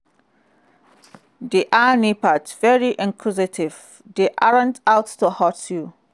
They're nippers, very inquisitive ... they aren't out to hurt you.